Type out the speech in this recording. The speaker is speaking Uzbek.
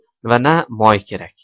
va na moy kerak